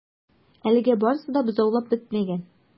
Әлегә барысы да бозаулап бетмәгән.